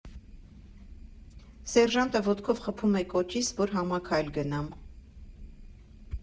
Սերժանտը ոտքով խփում է կոճիս, որ համաքայլ գնամ։